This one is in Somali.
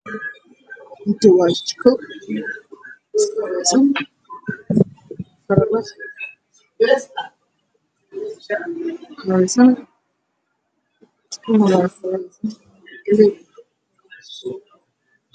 Waa jiko midabkeedu yahay cadaan qaxwi